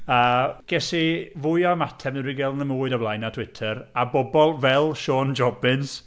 A ges i fwy o ymateb na dwi 'di gael yn fy mywyd o blaen ar Twitter a pobl fel Sion Jobbins...